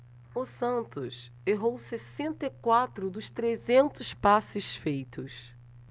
o santos errou sessenta e quatro dos trezentos passes feitos